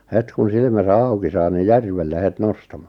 heti kun silmänsä auki saa niin järvelle heti nostamaan